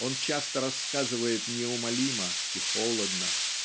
Он часто рассказывает неумолимо и холодно